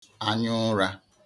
anyaụrā